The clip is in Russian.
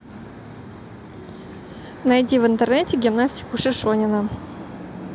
найди в интернете гимнастику шишонина